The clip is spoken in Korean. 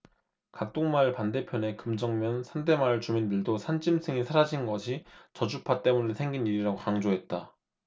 각동마을 반대편의 금정면 산대마을 주민들도 산짐승이 사라진 것이 저주파 때문에 생긴 일이라고 강조했다